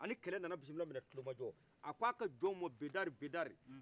ani kɛlɛ nana bisimila minɛ kulomajɔ a k'a ka jɔnw ua bedari bedari